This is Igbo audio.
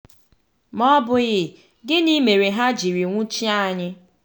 Ma ọ bụghị, gịnị mere ha jiri nwụchie anyị?